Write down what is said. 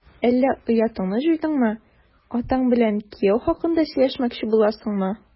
Әллә оятыңны җуйдыңмы, атаң белән кияү хакында сөйләшмәкче буласыңмы? ..